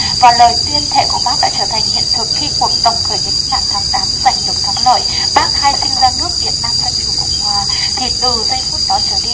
và lời tuyên thệ của bác trở thành hiện thực khi cuộc tổng khơi nghĩa cách mạng tháng dành được thắng lợi bác khai sinh ra nước việt nam dân chủ cộng hòa thì từ giây phút đó trở đi